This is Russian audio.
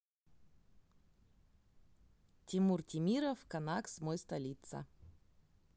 тимур темиров конакс мой столица